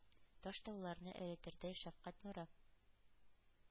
Таш-тауларны эретердәй шәфкать нуры